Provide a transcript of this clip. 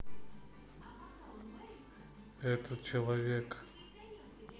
это человек